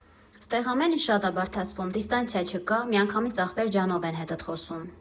Ստեղ ամեն ինչ շատ ա բարդացվում, դիստանցիա չկա, միանգամից «ախպեր ջանով» են հետդ խոսում։